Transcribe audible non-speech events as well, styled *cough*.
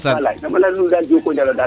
*music* kama leya nune daal jokonjal